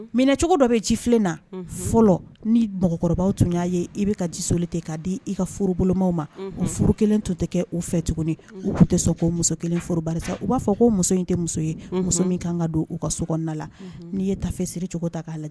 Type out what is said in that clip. Minɛcogo dɔ bɛ cifi na fɔlɔ ni mɔgɔkɔrɔbaw tun y'a ye i bɛ ka ji soli ten k kaa di i ka furu boloma ma furu kelen tun tɛ kɛ u fɛ tuguni u bɛ tɛ sɔn muso kelen furuba u b'a fɔ ko muso in tɛ muso ye muso min kan ka don u ka so na la n'i ye taafe siri cogo ta'a lajɛ